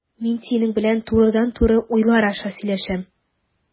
Мин синең белән турыдан-туры уйлар аша сөйләшәм.